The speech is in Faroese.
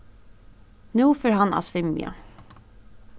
nú fer hann at svimja